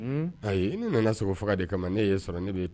Ayi ne nana faga ne sɔrɔ